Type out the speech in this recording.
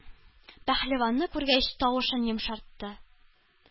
Пәһлеванны күргәч, тавышын йомшартты: